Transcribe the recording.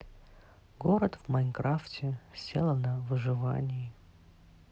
город в майнкрафте сделал на выживании